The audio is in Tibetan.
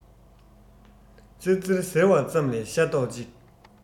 ཙེར ཙེར ཟེར བ ཙམ ལས ཤ རྡོག གཅིག